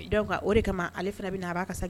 O de kama ale fana na a b'